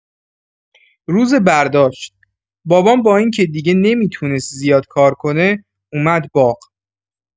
روز برداشت، بابام با اینکه دیگه نمی‌تونست زیاد کار کنه، اومد باغ.